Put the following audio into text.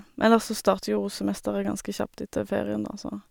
Ellers så starter jo semesteret ganske kjapt etter ferien, da, så...